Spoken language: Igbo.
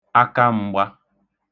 akam̄gbā